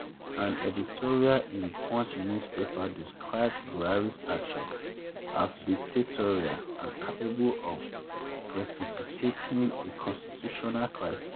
An editorial in Punch newspaper described Buhari's action as dictatorial and capable of precipitating a constitutional crisis: